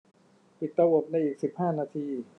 ปิดเตาอบในอีกสิบห้านาที